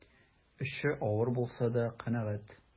Эше авыр булса да канәгать.